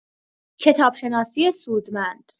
کتابشناسی سودمند